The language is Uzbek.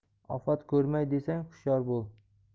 ofat ko'rmay desang hushyor bo'l